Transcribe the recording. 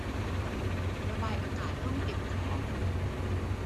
ระบายอากาศห้องเก็บของ